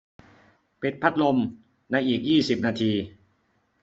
ปิดพัดลมในอีกยี่สิบนาที